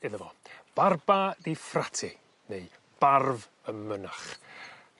iddo fo barba di ffrate neu barf y mynach.